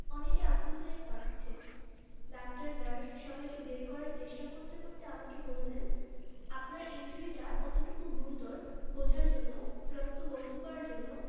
অনেকে আকুল হয়ে কাঁদছে ডাক্তার নার্স সবাইকে বের করার চেষ্টা করতে করতে আমাকে বললেন আপনার ইনজুরিটা কতটুকু গুরুতর বোঝার জন্যে রক্ত বন্ধ করার জন্যে